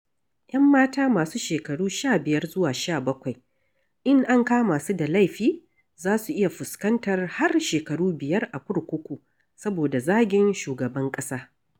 Yan mata, masu shekaru 15 zuwa 17, in an kama su da laifi, za su iya fuskantar har shekaru biyar a kurkuku saboda zagin shugaban ƙasa.